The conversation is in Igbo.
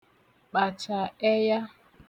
kpàchà ẹya